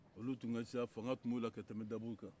olu tun ka ca fanga tun b'u la ka tɛmɛn dabow kan